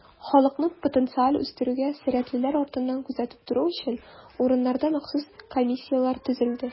Халыкны потенциаль үстерүгә сәләтлеләр артыннан күзәтеп тору өчен, урыннарда махсус комиссияләр төзелде.